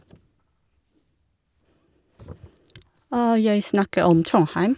Jeg snakke om Trondheim.